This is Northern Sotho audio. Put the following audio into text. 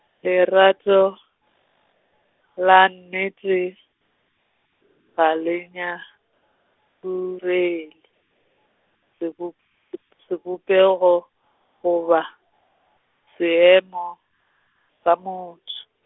lerato, la nnete, ga le nyakurele, sebop- , sebopego goba, seemo, sa motho.